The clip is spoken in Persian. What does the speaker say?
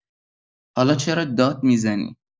حالا چرا داد می‌زنی؟